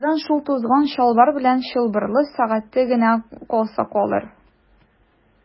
Аңардан шул тузган чалбар белән чылбырлы сәгате генә калса калыр.